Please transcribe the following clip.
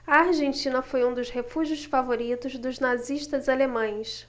a argentina foi um dos refúgios favoritos dos nazistas alemães